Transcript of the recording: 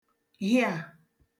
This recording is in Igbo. hịà